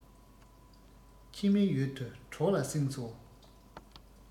ཕྱི མའི ཡུལ དུ གྲོགས ལ བསྲིངས སོ